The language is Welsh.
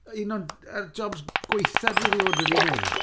Un o'r o'r jobs gwaetha dwi erioed wedi wneud.